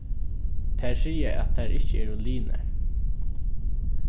tær siga at tær ikki eru linar